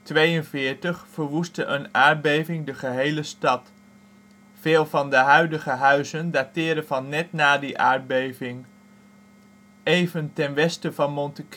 1842 verwoestte een aardbeving de gehele stad. Veel van de huidige huizen dateren van net na die aardbeving. Even ten westen van Monte